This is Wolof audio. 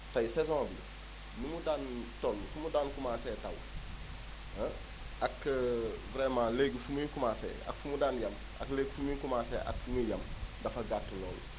tey saison bi ni mu daan toll fi mu daan commencé taw ah ak vraiment léegi fu muy commencé ak fu mu daan yem ak léegi fu miy commencé ak fu muy yem dafa gàtt lool